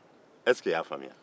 i y'a faamuya wa